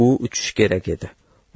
u uchishi kerak edi